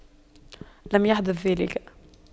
لم يحدث ذلك